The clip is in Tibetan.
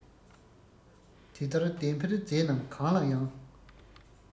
དེ ལྟར བདེ འཕེལ རྫས རྣམས གང ལ ཡང